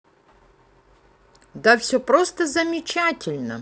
да все просто замечательно